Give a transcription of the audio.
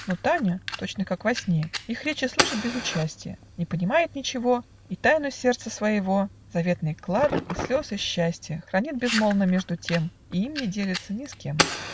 Но Таня, точно как во сне, Их речи слышит без участья, Не понимает ничего, И тайну сердца своего, Заветный клад и слез и счастья, Хранит безмолвно между тем И им не делится ни с кем.